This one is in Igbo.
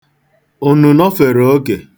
Unu nọfere oke?